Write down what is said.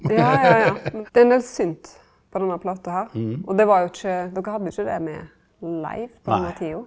ja ja ja det er en del synt på denne plata her og det var jo ikkje dokker hadde ikkje det med live på denne tida.